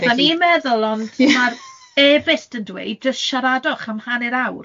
Dyna beth o'n i'n meddwl ond ma'r e-byst yn dweud just siaradwch am hanner awr.